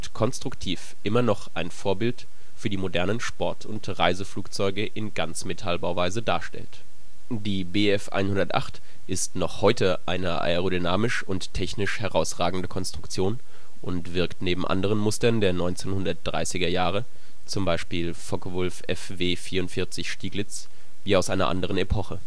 konstruktiv immer noch ein Vorbild für die modernen Sport - und Reiseflugzeuge in Ganzmetallbauweise darstellt. Die Bf 108 ist noch heute eine aerodynamisch und technisch herausragende Konstruktion und wirkt neben anderen Mustern der 1930er Jahre (zum Beispiel Focke-Wulf Fw 44 „ Stieglitz “) wie aus einer anderen Epoche